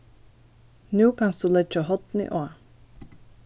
nú kanst tú leggja hornið á